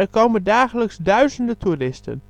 komen dagelijks duizenden toeristen